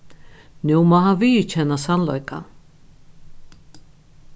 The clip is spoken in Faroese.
nú má hann viðurkenna sannleikan